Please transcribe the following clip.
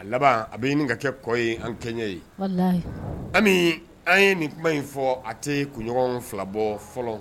A laban a bɛ ɲini ka kɛ kɔ ye an kɛɲɛ ye ami an ye nin kuma in fɔ a tɛ kunɲɔgɔn fila bɔ fɔlɔ